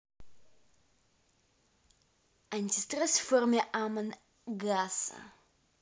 антистресс в форме аман гаса